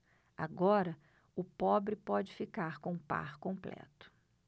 agora o pobre pode ficar com o par completo